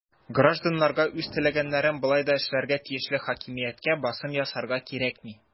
Гражданнарга үз теләгәннәрен болай да эшләргә тиешле хакимияткә басым ясарга кирәкми.